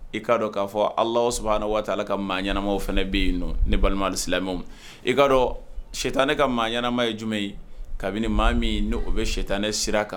I k'a dɔn k'a fɔ ala saba waati ala ka maa ɲɛnaanama fana bɛ yen ne balima silamɛw i k'a dɔn sɛ tan ne ka maa ɲɛnaanama ye jumɛn ye kabini maa min o bɛ sɛ tan ne sira kan